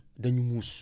dañu muus